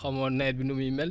xamoo nawet bi nu muy mel